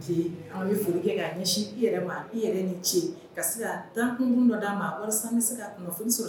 An bɛ foli kɛ ɲɛ yɛrɛ ma i yɛrɛ ni ce ka se ka tankun dɔ d'a ma walasa bɛ se ka kunnafoni sɔrɔ